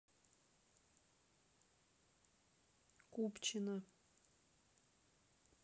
купчино